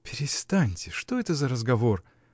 -- Перестаньте, что это за разговор!